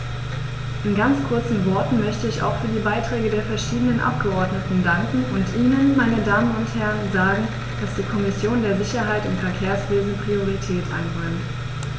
In ganz kurzen Worten möchte ich auch für die Beiträge der verschiedenen Abgeordneten danken und Ihnen, meine Damen und Herren, sagen, dass die Kommission der Sicherheit im Verkehrswesen Priorität einräumt.